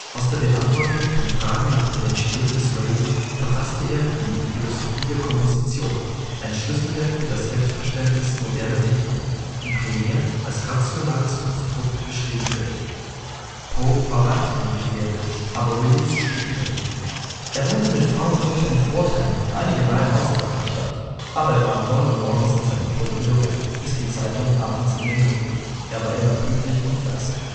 Aus der Beantwortung von Fragen nach der Entstehung des Raven (gleichsam als faq) verfasste er Die Philosophie der Komposition, ein Schlüsselwerk für das Selbstverständnis moderner Dichtung, die primär als rationales Konstrukt beschrieben wird. Poe war weiterhin gefährdet, aber Willis schrieb über ihn: Er wohnte mit Frau und Mutter in Fordham, einige Meilen außerhalb der Stadt, aber er war ab 9 Uhr morgens an seinem Pult im Büro, bis die Zeitung abends in Druck ging… Er war immer pünktlich und fleißig